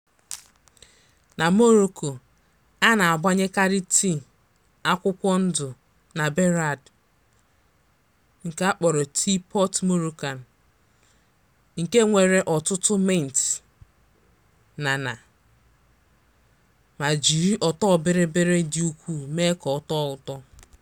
Na Morocco, a na-agbanyekarị tii akwụkwọ ndụ na berrad (Teapot Moroccan) nke nwere ọtụtụ mịnt (na'na') ma jiri ọtọbịrịbịrị dị ukwuu mee ka ọ tọọ ụtọ.